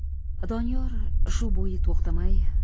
doniyor shu bo'yi to'xtamay